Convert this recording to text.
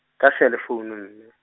ka selefounu mme.